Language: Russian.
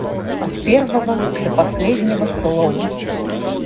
от первого до последнего слова